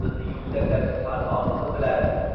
bizni yusaklarga parvoz qildirar